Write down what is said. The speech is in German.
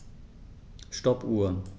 Stoppuhr.